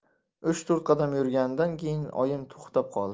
uch to'rt qadam yurgandan keyin oyim to'xtab qoldi